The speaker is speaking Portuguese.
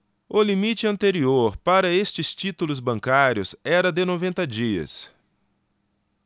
o limite anterior para estes títulos bancários era de noventa dias